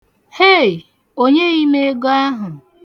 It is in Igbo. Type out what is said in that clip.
Heị! o nyeghị m ego ahụ.